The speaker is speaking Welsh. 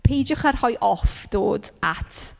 Peidiwch a rhoi off dod at...